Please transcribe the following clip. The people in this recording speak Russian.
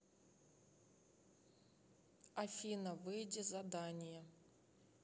афина выйди задание